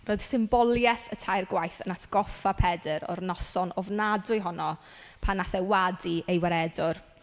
Roedd symboliaeth y tair gwaith yn atgoffa Pedr o'r noson ofnadwy honno pan wnaeth e wadu ei waredwr.